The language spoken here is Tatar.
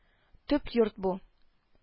Төп йорт бу